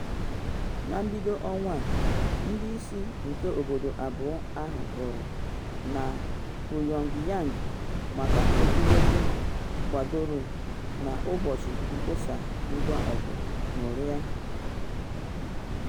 Na mbido ọnwa a, ndị isi nke obodo abụọ ahụ hụrụ na Pyongyang maka ekwumekwu gbadoro na ụbụbọ mkposa ngwa ọgụ nuklịa.